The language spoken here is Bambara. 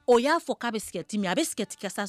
O y'a fɔ k'a bɛ cigarette min, a bɛ cigarette kasa